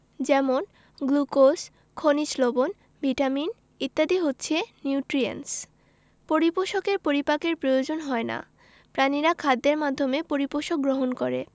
যেমন গ্লুকোজ খনিজ লবন ভিটামিন ইত্যাদি হচ্ছে নিউট্রিয়েন্টস পরিপোষকের পরিপাকের প্রয়োজন হয় না প্রাণীরা খাদ্যের মাধ্যমে পরিপোষক গ্রহণ করে